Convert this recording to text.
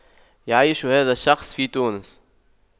يعيش هذا الشخص في تونس